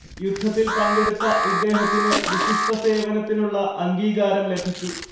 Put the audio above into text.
യുദ്ധത്തിൽ പങ്കെടുത്ത ഇദ്ദേഹത്തിന് വിശിഷ്ട സേവനത്തിനുള്ള അംഗീകാരം ലഭിച്ചു